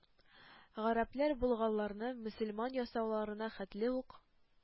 Гарәпләр болгарларны мөселман ясауларына хәтле үк,